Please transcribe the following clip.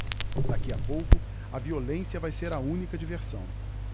daqui a pouco a violência vai ser a única diversão